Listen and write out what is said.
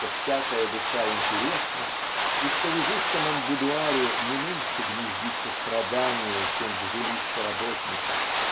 что всякая душа интересна и что в изысканном будуаре не меньше гнездится страдания чем в жилище работника.